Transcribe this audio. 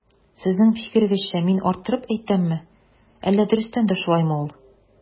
Сезнең фикерегезчә мин арттырып әйтәмме, әллә дөрестән дә шулаймы ул?